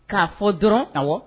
K'a fɔ dɔrɔn a